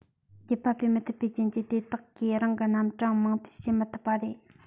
རྒྱུད པ སྤེལ མི ཐུབ པའི རྐྱེན གྱིས དེ དག གིས རང གི རྣམ གྲངས མང འཕེལ བྱེད མི ཐུབ པ རེད